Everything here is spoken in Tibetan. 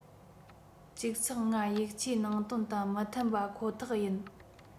༡ ༥ ཡིག ཆའི ནང དོན དང མི མཐུན པ ཁོ ཐག ཡིན